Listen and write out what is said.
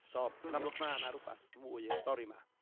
So, yn amlwg, ma' 'na rywbeth mwy i'r stori 'ma,